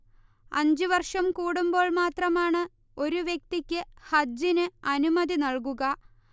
അഞ്ചു വർഷം കൂടുമ്പോൾ മാത്രമാണ് ഒരു വ്യക്തിക്ക് ഹജ്ജിനു അനുമതി നൽകുക